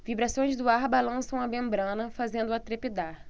vibrações do ar balançam a membrana fazendo-a trepidar